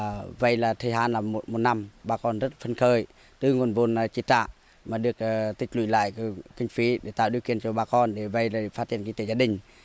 vậy là thời hạn là một một năm bà con rất phấn khởi từ nguồn vốn này chi trả mà được tích lũy lại kinh phí để tạo điều kiện cho bà con để vậy để phát triển kinh tế gia đình